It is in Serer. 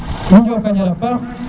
nun njokonjal la paax